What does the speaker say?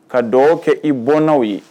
Ka duwawu kɛ i bɔnaw ye